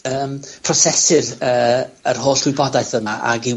...yym, prosesu'r yy, yr holl wybodaeth yma, ag i'w